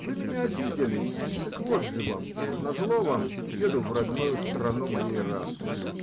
Вы меня обидели, так вот же вам, назло вам еду в родную сторону моей расы.